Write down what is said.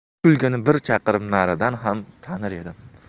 bu kulgini bir chaqirim naridan ham tanir edim